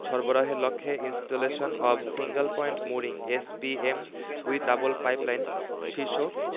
সরবরাহের লক্ষ্যে installation of single point mooring SPM with double pipeline শীর্ষক